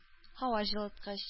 Һаваҗылыткыч